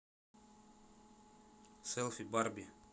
селфи барби